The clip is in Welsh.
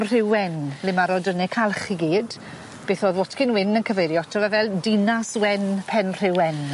Rhywen le ma'r odynne calch i gyd beth o'dd Watkin Wyn yn cyfeirio ato fe fel dinas wen Pen Rhywen.